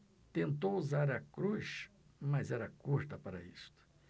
tentou usar a cruz mas era curta para isto